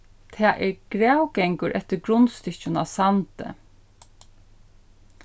tað er gravgangur eftir grundstykkjum á sandi